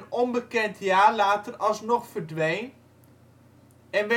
onbekend jaar later alsnog verdween) en